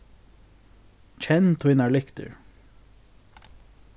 kenn tínar lyktir